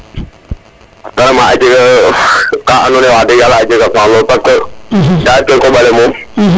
vraiment a jega ka ando naye wax degg yala a jega solo lol parce que ke koɓale moom